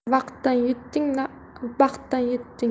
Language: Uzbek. vaqtdan yutding baxtdan yutding